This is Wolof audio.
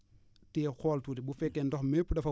téye xool tuuti bu fekkee ndox mi yëpp dafa